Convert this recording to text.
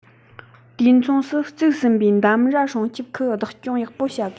དུས མཚུངས སུ བཙུགས ཟིན པའི འདམ ར སྲུང སྐྱོང ཁུལ བདག སྐྱོང ཡག པོ བྱ དགོས